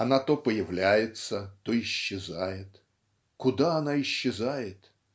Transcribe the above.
Она то появляется, то исчезает. Куда она исчезает?